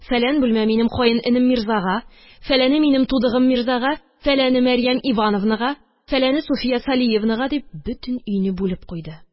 Фәлән бүлмә минем каененем мирзага, фәләне – минем тудыгым мирзага, фәләне – мәрьям ивановнага, фәләне – суфия салиевнага, – дип, бөтен өйне бүлеп куйды.